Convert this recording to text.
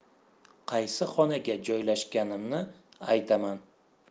qaysi xonaga joylashganimni aytaman